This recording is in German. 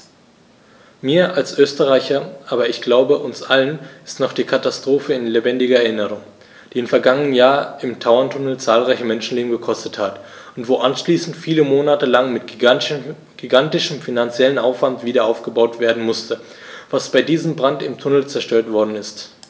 Mir als Österreicher, aber ich glaube, uns allen ist noch die Katastrophe in lebendiger Erinnerung, die im vergangenen Jahr im Tauerntunnel zahlreiche Menschenleben gekostet hat und wo anschließend viele Monate lang mit gigantischem finanziellem Aufwand wiederaufgebaut werden musste, was bei diesem Brand im Tunnel zerstört worden ist.